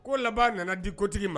Ko laban nana di kotigi ma